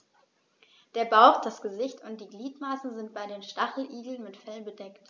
Der Bauch, das Gesicht und die Gliedmaßen sind bei den Stacheligeln mit Fell bedeckt.